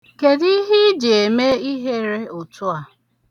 Kedu ihe ị ji eme ihere otua?